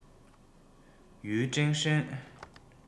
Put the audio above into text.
ཡུས ཀྲེང ཧྲེང